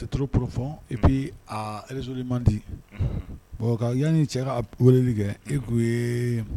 Ttouru poro e bɛ z man di bɔn yanni cɛ ka weleli kɛ e